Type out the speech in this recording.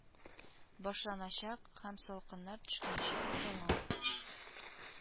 Башланачак һәм салкыннар төшкәнче дәвам